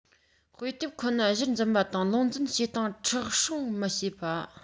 དཔེ དེབ ཁོ ན གཞིར འཛིན པ དང ལུང འཛིན བྱེད སྟངས མཁྲེགས སྲུང མི བྱེད པ